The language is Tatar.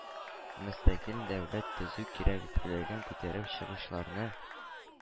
Мөстәкыйль дәүләт төзү кирәклеген күтәреп чыгучыларны